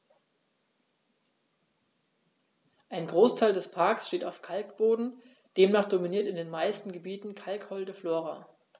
Ein Großteil des Parks steht auf Kalkboden, demnach dominiert in den meisten Gebieten kalkholde Flora.